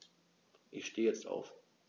Ich stehe jetzt auf.